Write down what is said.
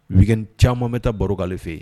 Caman bɛ taa barokaale fɛ yen